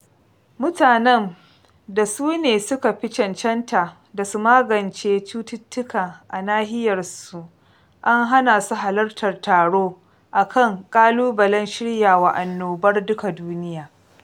Mutanen da su ne suka fi cancanta da su magance cututtuka a nahiyarsu an hana su halartar taro a kan "ƙalubalen Shiryawa Annobar Duka Duniya".